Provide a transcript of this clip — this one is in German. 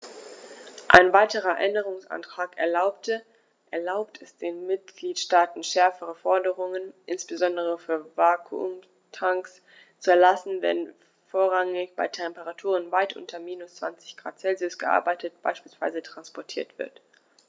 Ein weiterer Änderungsantrag erlaubt es den Mitgliedstaaten, schärfere Forderungen, insbesondere für Vakuumtanks, zu erlassen, wenn vorrangig bei Temperaturen weit unter minus 20º C gearbeitet bzw. transportiert wird.